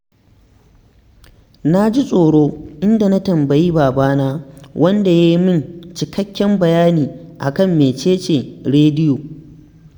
Na ji tsoro, inda na tambayi babana, wanda ya yi min cikakken bayani a kan mece ce rediyo.